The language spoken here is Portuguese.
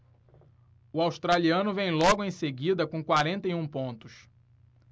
o australiano vem logo em seguida com quarenta e um pontos